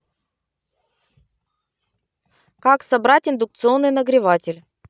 как собрать индукционный нагреватель